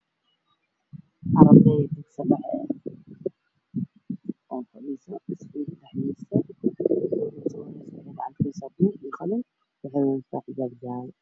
Waa arday wataan dhar jaale ah gabdho weliba ah waa school wax ay qorayaan warqadda ayaa horyaalo